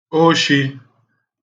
oshi